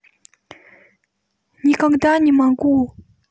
никогда не могу